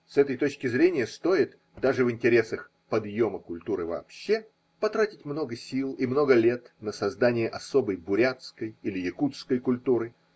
С этой точки зрения стоит (даже в интересах подъема культуры вообще) потратить много сил и много лет на создание особой бурятской или якутской культуры.